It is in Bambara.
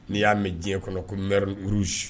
N'i y'a mɛn diɲɛ kɔnɔ ko miri murusu